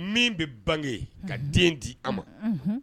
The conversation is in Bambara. Min bɛ bange ka den di a ma